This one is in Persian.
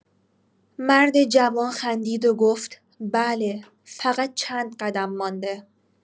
مرد جوان خندید و گفت: بله، فقط چند قدم مانده.